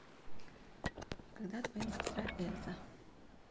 когда твоя сестра эльза